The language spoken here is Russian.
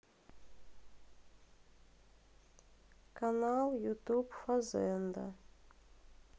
канал ютуб фазенда